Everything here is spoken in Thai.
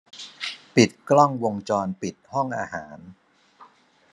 ปิดกล้องวงจรปิดห้องอาหาร